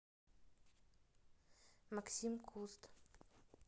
максим куст